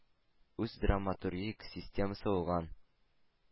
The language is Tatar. Үз драматургик системасы булган,